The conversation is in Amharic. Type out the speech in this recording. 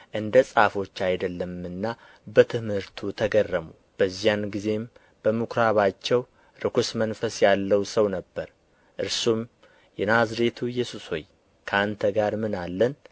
እንደ ጻፎች አይደለምና በትምህርቱ ተገረሙ በዚያን ጊዜም በምኩራባቸው ርኵስ መንፈስ ያለው ሰው ነበረ እርሱም የናዝሬቱ ኢየሱስ ሆይ ከአንተ ጋር ምን አለን